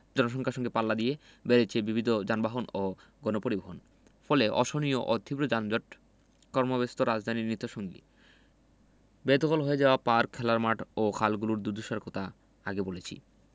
জনসংখ্যার সঙ্গে পাল্লা দিয়ে বেড়েছে বিবিধ যানবাহন ও গণপরিবহন ফলে অসহনীয় ও তীব্র যানজট কর্মব্যস্ত রাজধানীর নিত্যসঙ্গী বেদখল হয়ে যাওয়া পার্ক খেলার মাঠ ও খালগুলোর দুর্দশার কথা আগে বলেছি